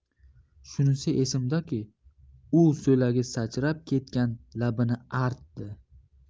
shunisi esimdaki u so'lagi sachrab ketgan labini artdi